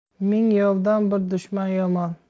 ming yovdan bir dushman yomon